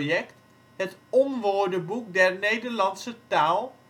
het Onwoordenboek der Nederlandse Taal